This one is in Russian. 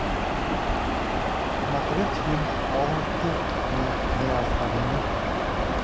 смотреть фильм полностью неоспоримый